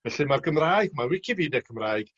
Felly ma'r Gymraeg ma'r wicipedia Cymraeg